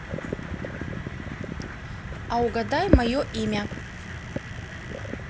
а угадай мое имя